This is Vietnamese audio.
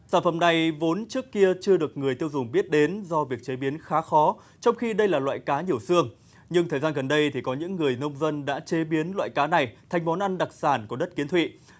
sản phẩm này vốn trước kia chưa được người tiêu dùng biết đến do việc chế biến khá khó trong khi đây là loại cá nhiều xương nhưng thời gian gần đây thì có những người nông dân đã chế biến loại cá này thành món ăn đặc sản của đất kiến thụy